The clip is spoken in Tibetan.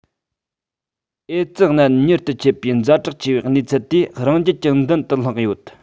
ཨེ ཙི ནད མྱུར དུ མཆེད པའི ཛ དྲག ཆེ བའི གནས ཚུལ དེ རང རྒྱལ གྱི མདུན དུའང ལྷགས ཡོད